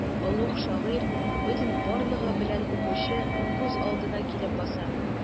Олуг шагыйрь бөтен барлыгы белән укучы күз алдына килеп баса.